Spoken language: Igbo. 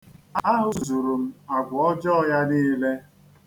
A hụzuru m àgwà ọjọọ ya niile.